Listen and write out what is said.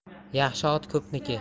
yaxshi ot ko'pniki